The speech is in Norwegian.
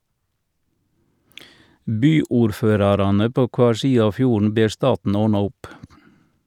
Byordførarane på kvar side av fjorden ber staten ordna opp.